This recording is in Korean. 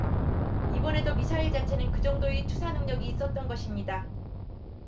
이번에도 미사일 자체는 그 정도의 투사능력이 있었던 것이다